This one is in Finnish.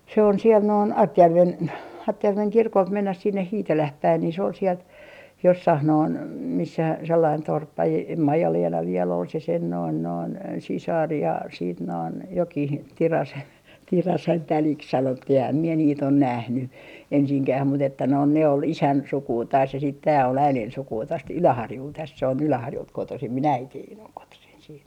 se on siellä noin Artjärven Artjärven kirkolta mennään sinne Hiitelään päin niin se oli sieltä jossakin noin missä sellainen torppa - en vielä on se sen noin noin sisar ja sitten noin jokin - Tirasen tädiksi sanottiin enhän minä niitä ole nähnyt ensinkään mutta että noin ne oli isän sukua taas se sitten tämä oli äidin sukua tuosta Yläharjulta tässä se on Yläharjulta kotoisin minun äitini on kotoisin sitten